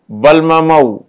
Balimama